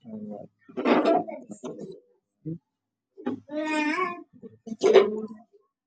yahay madow